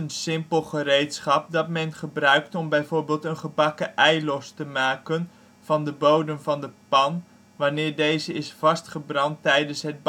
simpel gereedschap dat men gebruikt om bijvoorbeeld een gebakken ei los te maken van de bodem van de pan wanneer deze is vastgebrand tijdens het